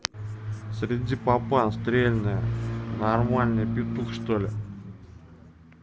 среди папа стрельна нормальные петух что ли